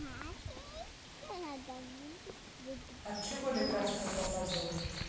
от чего лекарство папазол